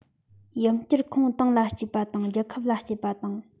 ཡང བསྐྱར ཁོང ཏང ལ གཅེས པ དང རྒྱལ ཁབ ལ གཅེས པ དང